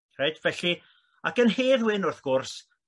Reit felly ac yn Hedd Wyn wrth gwrs